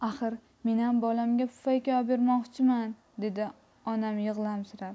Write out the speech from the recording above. axir menam bolamga pufayka obermoqchiman dedi onam yig'lamsirab